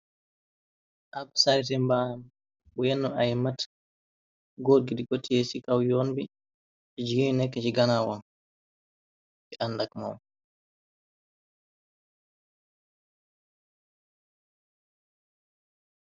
Ab sarite mbaam u yenu ay mata góor gi diko tiye ci kaw yoon bi jigeen nekk ci ganawam di andak moom.